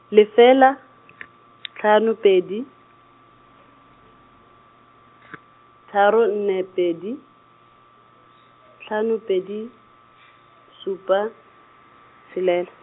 lefela , tlhano pedi , tharo nne pedi , tlhano pedi , supa, tshelela.